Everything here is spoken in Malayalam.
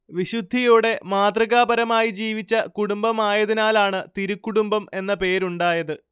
വിശുദ്ധിയോടെ മാതൃകാപരമായി ജീവിച്ച കുടുംബമായതിനാലാണ് തിരുക്കുടുംബം എന്ന പേരുണ്ടായത്